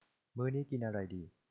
มื้อนี้กินอะไรดี